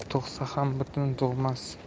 tug'sa ham butun tug'mas